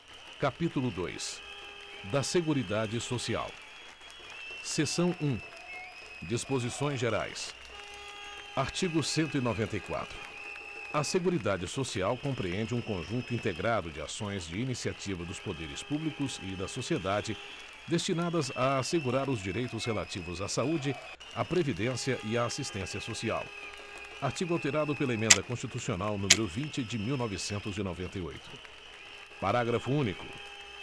capítulo dois da seguridade social seção um disposições gerais artigo cento e noventa e quatro a seguridade social compreende um conjunto integrado de ações de iniciativa dos poderes públicos e da sociedade destinadas a assegurar os direitos relativos à saúde à previdência e à assistência social artigo alterado pela emenda constitucional número vinte de mil novecentos e noventa e oito parágrafo único